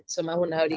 So ma' hwnna wedi...